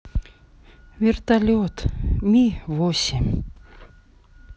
вертолет ми восемь